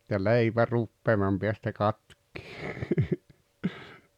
ja leipä rupeaman päästä katkeaa